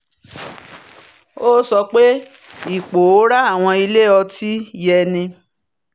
Ó sọ pé ìpòórá àwọn ilé ọtí yéni.